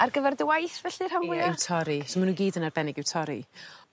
Ar gyfer dy waith felly rhan fwya? Ie i'w torri so ma' n'w gyd yn arbennig i'w torri.